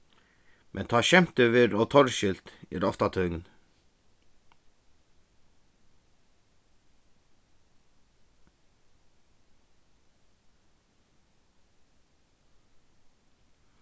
men tá skemtið verður ov torskilt er tað ofta tøgn